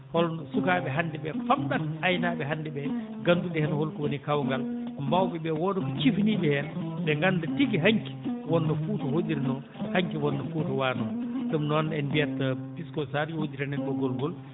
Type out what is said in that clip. holno sukaaɓe hannde ɓe famɗat aynaaɓe hannde ɓe ngandu heen ko holko woni kawgal mawɓe ɓe wooda ko cifanii ɓe heen ɓe ngannda tigi hanki wolno Fuuta hoɗirnoo hanki wonno no Fuuta waanoo ɗum noon en mbiyat Pisco Sarr yo udditan en ɓoggol ngol